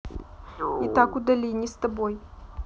итак удали не с тобой